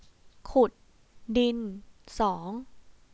ขุดดินสอง